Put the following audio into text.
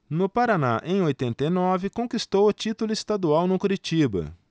no paraná em oitenta e nove conquistou o título estadual no curitiba